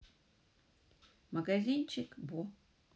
магазинчик бо